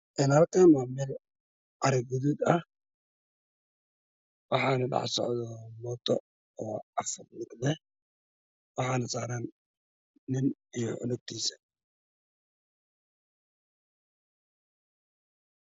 Halkaan waa meel carro gaduud ah waxaa socoto mooto waxaa saaran nin iyo cunugtiisa.